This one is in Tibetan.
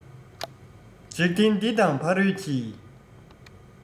འཇིག རྟེན འདི དང ཕ རོལ གྱི